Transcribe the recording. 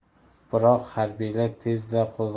biroq harbiylar tezda